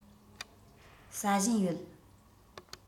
ཟ བཞིན ཡོད